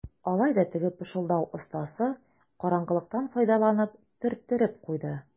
Алай да теге пышылдау остасы караңгылыктан файдаланып төрттереп куйды.